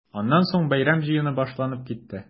Аннан соң бәйрәм җыены башланып китте.